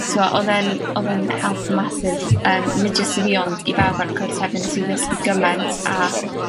t'o' odd e'n odd yn help massive yym nid jyst i fi ond i bawb ar y cwrs hefyd nes i ddysgu gymaint a